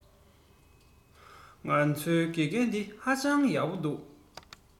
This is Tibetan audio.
ང ཚོའི དགེ རྒན འདི ཧ ཅང ཡག པོ འདུག